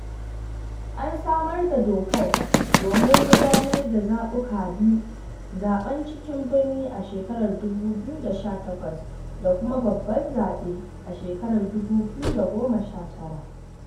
An samar da dokar domin gudanar da zaɓuka biyu - zaɓen cikin birni a 2018 da kuma babban zaɓe a 2019.